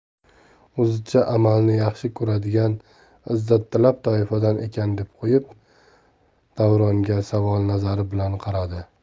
o'zicha amalni yaxshi ko'radigan izzattalab toifadan ekan deb qo'yib davronga savol nazari bilan qaradi